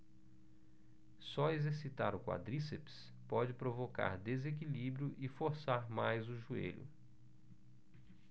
só exercitar o quadríceps pode provocar desequilíbrio e forçar mais o joelho